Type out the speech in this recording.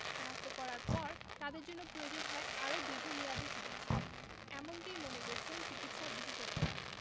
শনাক্ত করার পর তাদের জন্য প্রয়োজন হয় আরও দীর্ঘমেয়াদি চিকিৎসার এমনটিই মনে করছেন চিকিৎসাবিশেষজ্ঞরা